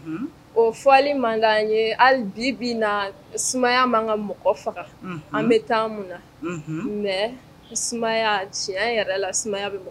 O fɔli mankan ye hali bi na sumaya ma ka mɔgɔ faga an bɛ taama na mɛ tiɲɛ yɛrɛ la bɛ